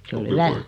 se oli hyvä